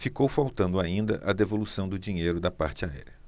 ficou faltando ainda a devolução do dinheiro da parte aérea